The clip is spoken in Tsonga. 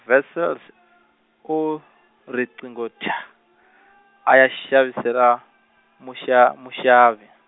Wessels, o riqingho thyaa, a ya xavisela, muxa- muxavi.